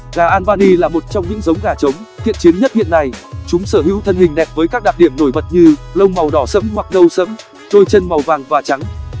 gà albany là một trong những giống gà trống thiện chiến nhất hiện nay chúng sở hữu thân hình đẹp với các đặc điểm nổi bật như lông màu đỏ sẫm hoặc nâu sẫm đôi chân màu vàng và trắng